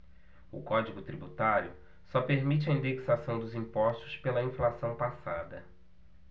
o código tributário só permite a indexação dos impostos pela inflação passada